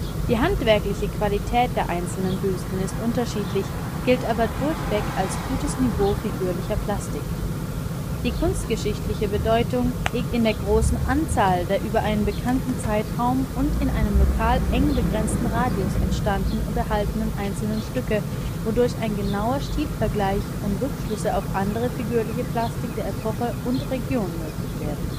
Die handwerkliche Qualität der einzelnen Büsten ist unterschiedlich, gilt aber durchweg als gutes Niveau figürlicher Plastik. Die kunstgeschichtliche Bedeutung liegt in der großen Anzahl der über einen bekannten Zeitraum und in einem lokal eng begrenzten Radius entstandenen und erhaltenen einzelnen Stücke, wodurch ein genauer Stilvergleich und Rückschlüsse auf andere figürliche Plastik der Epoche und Region möglich werden